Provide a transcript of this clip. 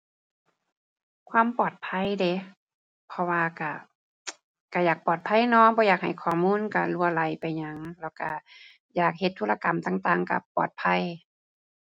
ความปลอดภัยเดะ เพราะว่าก็ ก็อยากปลอดภัยเนาะ บ่อยากให้ข้อมูลการรั่วไหลไปหยัง แล้วก็อยากเฮ็ดธุระกรรมต่างต่างก็ปลอดภัย